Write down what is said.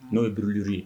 N'o ye buruurri ye